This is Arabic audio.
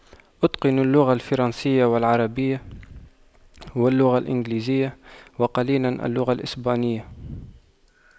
أتقن اللغة الفرنسية والعربية واللغة الإنجليزية وقليلا اللغة الإسبانية